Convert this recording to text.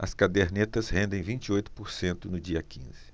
as cadernetas rendem vinte e oito por cento no dia quinze